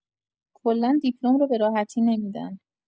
کلا دیپلم رو به راحتی نمی‌دن.